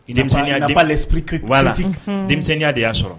Ninya b'a denmisɛnninya de y'a sɔrɔ